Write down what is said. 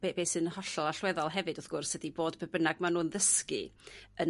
Be be sy'n hollol allweddol hefyd wrth gwrs ydi bod be bynnag ma' n'w'n ddysgu yn